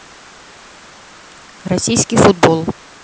российский футбол